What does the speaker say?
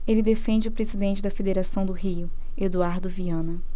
ele defende o presidente da federação do rio eduardo viana